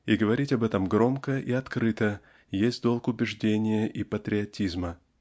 И говорить об этом громко и открыто есть долг убеждения и патриотизма.